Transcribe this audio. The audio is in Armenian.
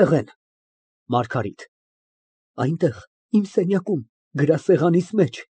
ՄԱՐԳԱՐԻՏ ֊ Այնտեղ, իմ սենյակում, գրասեղանիս մեջ։